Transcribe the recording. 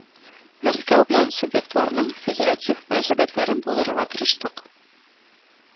Мәскәү белән субъектларның федератив мөнәсәбәтләрен булдырырга тырыштык